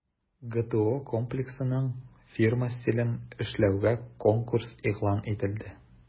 ГТО Комплексының фирма стилен эшләүгә конкурс игълан ителде.